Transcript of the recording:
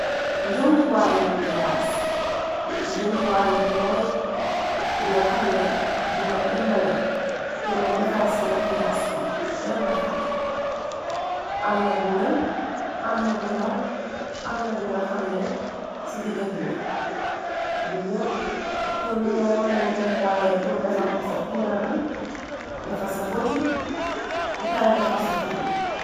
Njumtuwaayi makiyaas njumtuwaay yi nooy yi nga xamne dina la dimbale pur nga defar sa makiyas bi bem rafet am na bu rëy amna bu ndàw amna bi nga xam ne ci diga bi la li yépp pur li ngay mëna njumtuwaaye pur defar sa puudar bi defar sa botyi bi pere defar sa tuñ be.